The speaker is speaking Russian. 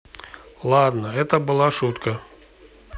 ладно это была шутка